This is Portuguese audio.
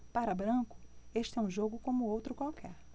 para branco este é um jogo como outro qualquer